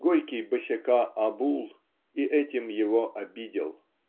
Горький босяка обул и этим его обидел.